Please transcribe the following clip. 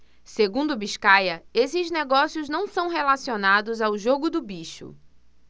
segundo biscaia esses negócios não são relacionados ao jogo do bicho